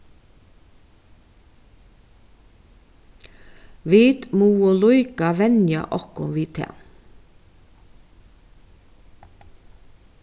vit mugu líka venja okkum við tað